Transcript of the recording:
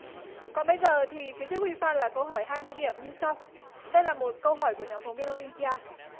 còn bây giờ thì phía trước huy phan là câu hỏi hai mươi điểm như sau đây là một câu hỏi của nhóm phóng viên ô lim pi a